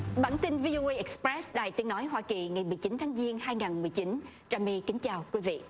bản tin vi âu ây ịch roét đài tiếng nói hoa kỳ ngày mười chín tháng giêng hai ngàn mười chín trà my kính chào quý vị